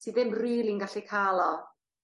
ti ddim rili'n gallu ca'l o